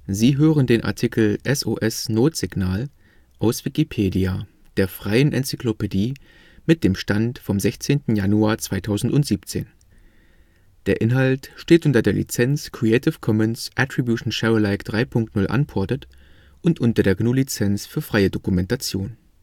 Sie hören den Artikel SOS (Notsignal), aus Wikipedia, der freien Enzyklopädie. Mit dem Stand vom Der Inhalt steht unter der Lizenz Creative Commons Attribution Share Alike 3 Punkt 0 Unported und unter der GNU Lizenz für freie Dokumentation